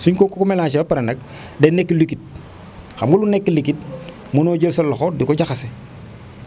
su ñu ko ku ko mélangé ba pare nag day nekk liquide xam nga lu nekk liquide mënoo jël sa loxo di ko jaxase